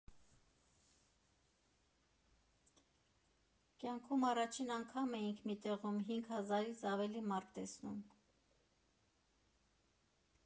Կյանքում առաջին անգամ էինք մի տեղում հինգ հազարից ավել մարդ տեսնում։